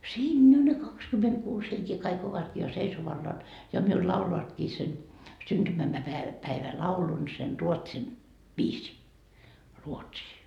siinä ne kaksikymmentäkuusi henkeä kaikki ovatkin ja seisoallaan ja minulle laulavatkin sen -- syntymäpäivälaulun sen ruotsin viisiin ruotsia